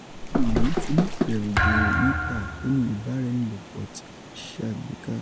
Awọn irohin ti mu ibẹru gbooro nipa akoonu ibara-ẹni-lopọ ti a n ṣagbeka